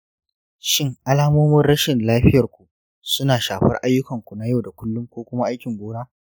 shin alamomin rashin lafiyar ku suna shafar ayyukanku na yau da kullum ko kuma aikin gona?